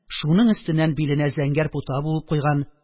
Шуның өстеннән биленә зәңгәр пута буып куйган